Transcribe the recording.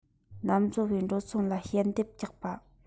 ལམ བཟོ བའི འགྲོ སོང ལ ཞལ འདེབས རྒྱག པ